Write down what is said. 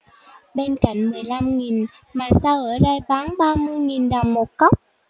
bên cạnh mười lăm nghìn mà sao ở đây bán ba mươi nghìn đồng một cốc